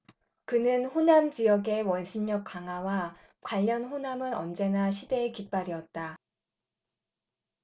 그는 호남지역의 원심력 강화와 관련 호남은 언제나 시대의 깃발이었다